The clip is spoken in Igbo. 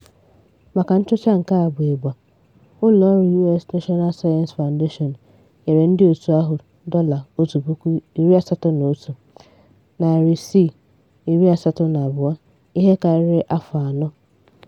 Maka nchọcha nke a bụ ịgba, ụlọ ọrụ US National Science Foundation nyere ndị otu ahụ $181,682 ihe karịrị afọ anọ.